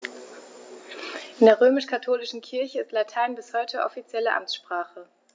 In der römisch-katholischen Kirche ist Latein bis heute offizielle Amtssprache.